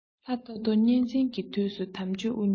ལྷ ཐོ ཐོ གཉན བཙན གྱི དུས སུ དམ ཆོས དབུ བརྙེས སོ